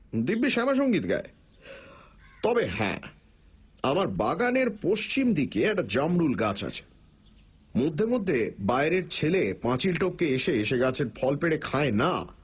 দিব্যি শ্যামাসংগীত গায় তবে হ্যাঁ আমার বাগানের পশ্চিম দিকে একটা জামরুল গাছ আছে মধ্যে মধ্যে বাইরের ছেলে পাঁচিল টপকে এসে সে গাছের ফল পেড়ে খায় না